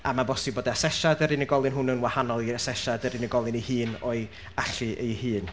A ma'n bosib bod asesiad yr unigolyn hwnw'n wahanol i asesiad yr unigolyn ei hun o'i allu ei hun.